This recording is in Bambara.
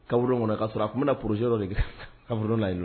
Kaburu don kɔnɔ, kaa sɔrɔ a tun bɛna projet de kɛ kaburu don yen.